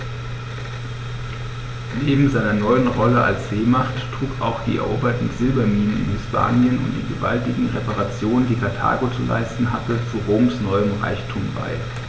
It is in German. Neben seiner neuen Rolle als Seemacht trugen auch die eroberten Silberminen in Hispanien und die gewaltigen Reparationen, die Karthago zu leisten hatte, zu Roms neuem Reichtum bei.